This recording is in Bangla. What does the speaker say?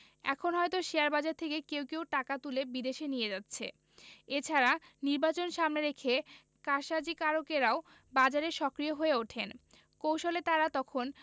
এখন হয়তো শেয়ারবাজার থেকে কেউ কেউ টাকা তুলে বিদেশে নিয়ে যাচ্ছে এ ছাড়া নির্বাচন সামনে রেখে কারসাজিকারকেরাও বাজারে সক্রিয় হয়ে ওঠেন কৌশলে তাঁরা তখন